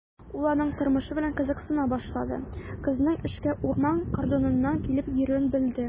Ул аның тормышы белән кызыксына башлады, кызның эшкә урман кордоныннан килеп йөрүен белде.